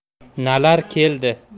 nalar keldi